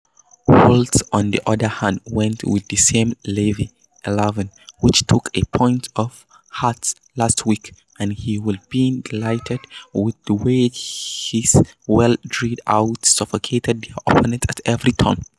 Holt, on the other hand, went with the same Livi 11 which took a point off Hearts last week and he would have been delighted with the way his well-drilled outfit suffocated their opponents at every turn.